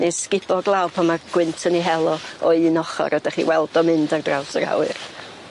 Ne' sgubod lawr pan ma' gwynt yn 'i hel o o un ochor a 'dych chi weld o mynd ar draws yr awyr.